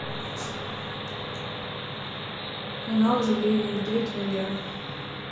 канал желейный медведь валера